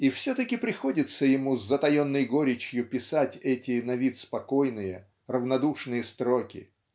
и все-таки приходится ему с затаенной горечью писать эти на вид спокойные равнодушные строки